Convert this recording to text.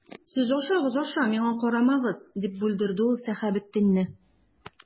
Сез ашагыз, аша, миңа карамагыз,— дип бүлдерде ул Сәхәбетдинне.